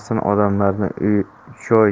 qaramasdan odamlarni uy joy